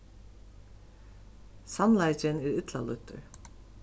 sannleikin er illa lýddur